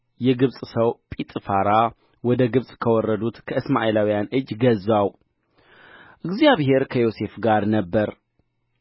እግዚአብሔር ከዮሴፍ ጋር ነበረ ሥራውም የተከናወነለት ሰው ሆነ በግብፃዊው ጌታውም ቤት ነበረ